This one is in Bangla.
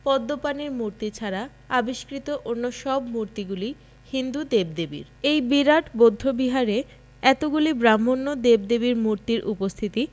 আবিষ্কৃত অন্য সব মূর্তিগুলি হিন্দু দেবদেবীর এই বিরাট বৌদ্ধ বিহারে এতগুলি ব্রাক্ষ্মণ্য দেব দেবীর মূতির্র উপস্থিতি